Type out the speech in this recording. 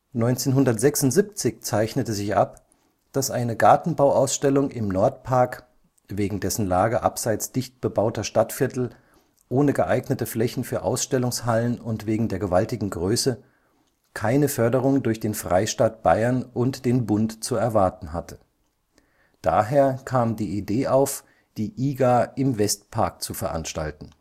1976 zeichnete sich ab, dass eine Gartenbauausstellung im Nordpark – wegen dessen Lage abseits dicht bebauter Stadtviertel, ohne geeignete Flächen für Ausstellungshallen und wegen der gewaltigen Größe – keine Förderung durch den Freistaat Bayern und den Bund zu erwarten hatte. Daher kam die Idee auf, die IGA im Westpark zu veranstalten